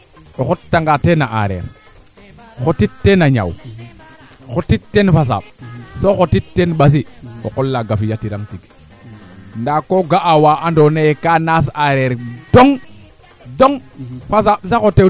mbin maak na mbin ngeesiina genu ndaa o xaaga xaye ba leyoonga ye nangam keeke a leyong ka farna no nan keene i ne'a no ndiing fato ande kaa xorlu win a paax to ku te xorluna en general ba leyuuna